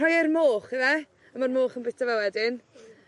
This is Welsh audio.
Rhoi e i'r moch yfe? A ma'r moch yn bwyta fe wedyn.